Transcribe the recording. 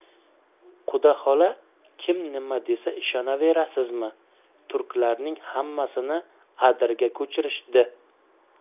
quda xola kim nima desa ishonaverasizmi turklarning hammasini adirga ko'chirishdi